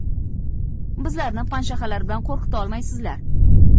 bizlarni panshaxalar bilan qo'rqitolmaysizlar